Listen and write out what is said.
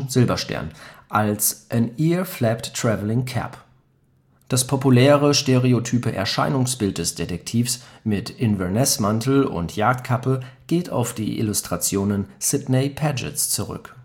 Silberstern) als „ an ear flapped traveling cap “. Das populäre stereotype Erscheinungsbild des Detektivs mit Inverness-Mantel und Jagdkappe geht auf die Illustrationen Sidney Pagets zurück